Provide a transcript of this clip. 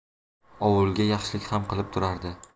ovulga yaxshilik ham qilib turardi